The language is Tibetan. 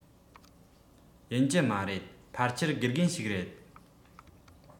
ཡིན གྱི མ རེད ཕལ ཆེར དགེ རྒན ཞིག རེད